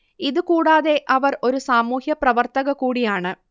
ഇതുകൂടാതെ അവർ ഒരു സാമൂഹ്യപ്രവർത്തക കൂടിയാണ്